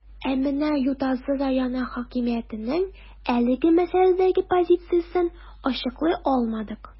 Ә менә Ютазы районы хакимиятенең әлеге мәсьәләдәге позициясен ачыклый алмадык.